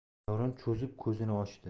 davron cho'chib ko'zini ochdi